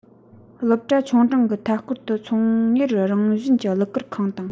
སློབ གྲྭ ཆུང འབྲིང གི མཐའ སྐོར དུ ཚོང གཉེར རང བཞིན གྱི གླུ གར ཁང དང